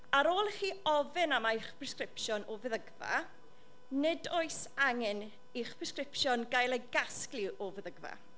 Ar ôl i chi ofyn am eich presgripsiwn o feddygfa nid oes angen i'ch presgripsiwn gael ei gasglu o feddygfa.